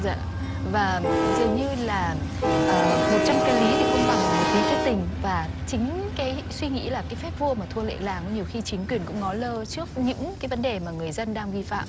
dạ và dường như là ờ một trăm cái lý thì không bằng một tí cái tình và chính cái suy nghĩ là cái phép vua mà thua lệ làng ý nhiều khi chính quyền cũng ngó lơ trước những cái vấn đề mà người dân đang vi phạm